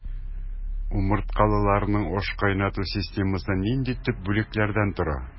Умырткалыларның ашкайнату системасы нинди төп бүлекләрдән тора?